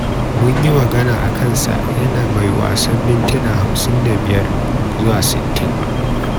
“Mun yi magana a kansa yana mai wasan mintina 55, 60.